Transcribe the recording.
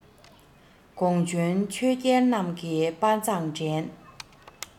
གོང བྱོན ཆོས རྒྱལ རྣམས ཀྱིས དཔའ མཛངས དྲན